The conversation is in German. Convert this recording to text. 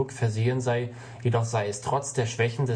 versehen sei, jedoch sei es „ trotz der Schwächen